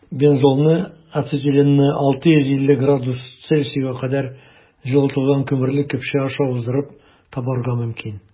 Бензолны ацетиленны 650 С кадәр җылытылган күмерле көпшә аша уздырып табарга мөмкин.